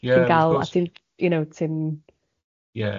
...ti'n gal a ti'n you know ti'n... Ie.